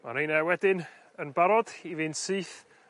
Ma' reina wedyn yn barod i fynd syth